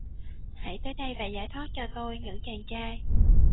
hãy tới đây và giải thoát cho tôi những chàng trai